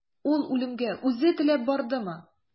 Ул үлемгә үзе теләп бардымы?